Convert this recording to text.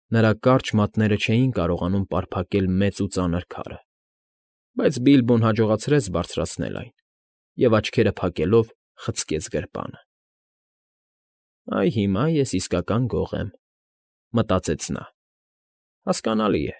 Նրա կարճ մատները չէին կարողանում պարփակել մեծ ու ծանր քարը, բայց Բիլբոն հաջողացրեց բարձրացնել այն և, աչքերը փակելով, խցկեց գրպանը։ «Այ հիմա ես իսկական գող եմ,֊ մտածեց նա։֊ Հասկանալի։